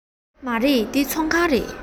མ རེད འདི ཚོང ཁང རེད